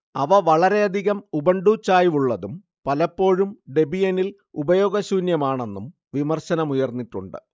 അവ വളരെയധികം ഉബുണ്ടു ചായ്വുള്ളതും പലപ്പോഴും ഡെബിയനിൽ ഉപയോഗശൂന്യമാണെന്നും വിമർശനമുയർന്നിട്ടുണ്ട്